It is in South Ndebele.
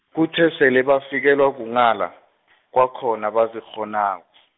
kuthe sele bafikelwa kunghala , kwakhona abazikghonako.